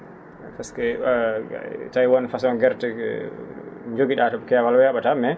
par ce tawii won façon gerte jogi?aa to keewal wee?ataa mais